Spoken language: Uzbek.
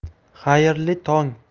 xayrli tong